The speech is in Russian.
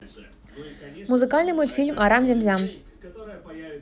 музыкальный мультфильм арам зям зям